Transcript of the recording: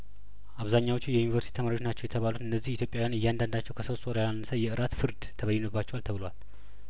አብዛኛዎቹ የዩኒቨርስቲ ተማሪዎች ናቸው የተባሉት እነዚህ ኢትዮጵያውያን እያንዳንዳቸው ከሶስት ወር ያላነሰ የእራት ፍርድ ተበይኖባቸዋል ተብሏል